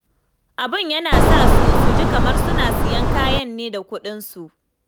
Abun yana sa su, su ji kamar suna siyan kayan ne da kuɗinsu.